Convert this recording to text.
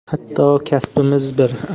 hatto kasbimiz bir